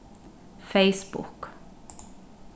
facebook